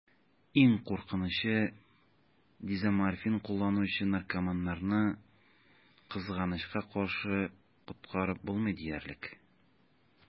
Иң куркынычы: дезоморфин кулланучы наркоманнарны, кызганычка каршы, коткарып булмый диярлек.